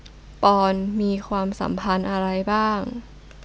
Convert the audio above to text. ปอนด์มีความสัมพันธ์อะไรบ้าง